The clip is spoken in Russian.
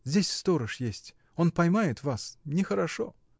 — Здесь сторож есть: он поймает вас — нехорошо!